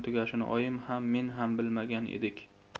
tugashini oyim ham men ham bilmagan edik